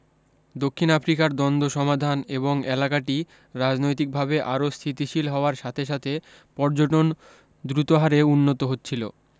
দক্ষিণ আফ্রিকার দ্বন্দ্ব সমাধান এবং এলাকাটি রাজনৈতিকভাবে আরও স্থিতিশীল হওয়ার সাথে সাথে পর্যটন দ্রুতহারে উন্নত হচ্ছিল